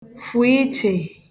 fụ̀ ichè